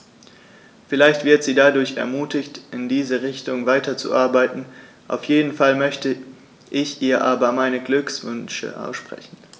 Vielleicht wird sie dadurch ermutigt, in diese Richtung weiterzuarbeiten, auf jeden Fall möchte ich ihr aber meine Glückwünsche aussprechen.